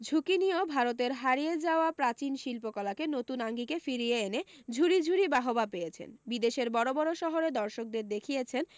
ঝুঁকি নিয়েও ভারতের হারিয়ে যাওয়া প্রাচীন শিল্পকলাকে নতুন আঙ্গিকে ফিরিয়ে এনে ঝুড়ি ঝুড়ি বাহবা পেয়েছেন বিদেশের বড় বড় শহরে দর্শকদের দেখিয়েছেন